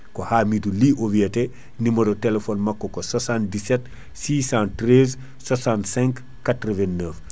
ko Hamidou Ly o wiyate numéro téléphone makko ko 77 613 65 89